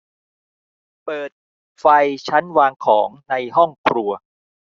เปิดไฟชั้นวางของในห้องครัว